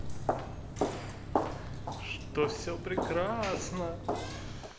что все прекрасно